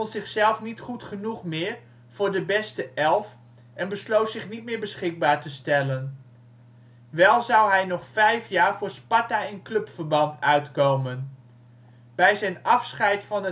zichzelf niet goed genoeg meer voor de beste elf en besloot zich niet meer beschikbaar te stellen. Wel zou hij nog vijf jaar voor Sparta in clubverband uitkomen. Bij zijn afscheid van